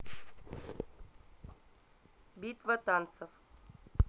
битва танцев